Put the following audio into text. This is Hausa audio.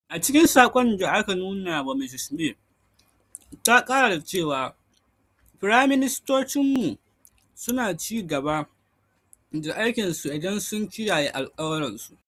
A cikin sakon da aka nuna wa Mrs May, ta kara da cewa: 'Firaim Ministocin su na ci gaba da aikin su idan sun kiyaye alkawuransu.'